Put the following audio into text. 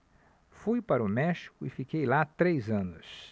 fui para o méxico e fiquei lá três anos